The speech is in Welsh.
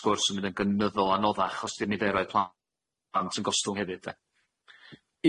sgwrs yn mynd yn gynyddol anoddach os 'di'r niferoedd plant yn gostwng hefyd 'de?